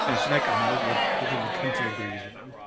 Yeah she's like I don't think don't think the country agrees with you.